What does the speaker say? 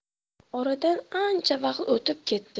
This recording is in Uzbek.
oradan ancha vaqt o'tib ketdi